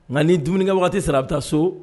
Nka ni dumuni waati sera a bɛ taa so